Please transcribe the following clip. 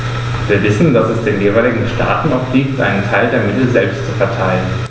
Wir wissen, dass es den jeweiligen Staaten obliegt, einen Teil der Mittel selbst zu verteilen.